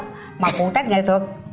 mà phụ trách nghệ thuật